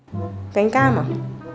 cánh cam à